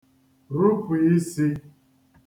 rupụ̀ isī